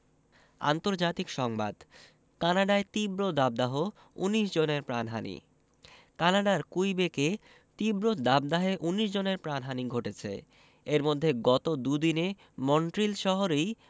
আন্তর্জাতিক সংবাদ কানাডায় তীব্র দাবদাহ ১৯ জনের প্রাণহানি কানাডার কুইবেকে তীব্র দাবদাহে ১৯ জনের প্রাণহানি ঘটেছে এর মধ্যে গত দুদিনে মন্ট্রিল শহরেই